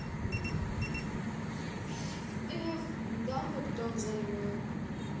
эх дал бы кто взаймы